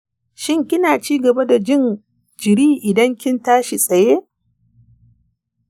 shin kina ci gaba da jin jiri idan kin tashi tsaye?